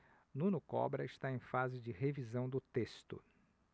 nuno cobra está em fase de revisão do texto